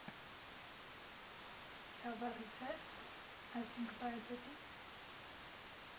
Քյավառից ե՞ս, այսինք՝ Բայազետի՞ց։